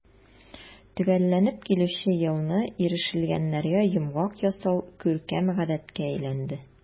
Төгәлләнеп килүче елны ирешелгәннәргә йомгак ясау күркәм гадәткә әйләнде.